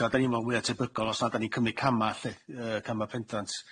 Dani'n meddwl mwya tebygol os na dan ni'n cymyd cama' 'lly yyy cama' pendant.